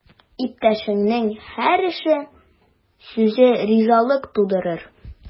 Иптәшеңнең һәр эше, сүзе ризалык тудырыр.